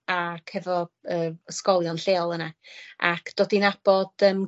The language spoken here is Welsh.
ac hefo yy ysgolion lleol yna ac dod i nabod yym